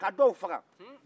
ka dɔw faga